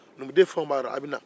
numuden fɛn o fɛn b'a la aw bɛ na